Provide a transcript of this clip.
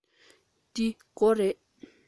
འདི སྒོ རེད